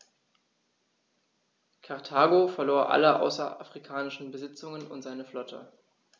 Karthago verlor alle außerafrikanischen Besitzungen und seine Flotte.